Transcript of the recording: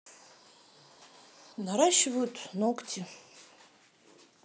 наращивают ногти